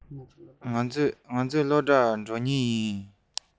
ང ཚོ སློབ གྲྭར འགྲོ གི ཡིན